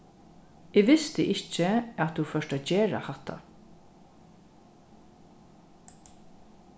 eg visti ikki at tú fórt at gera hatta